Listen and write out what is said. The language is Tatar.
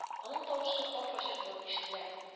Аның тавышы апачык булып ишетелә